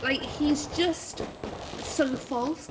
Like he's just so false.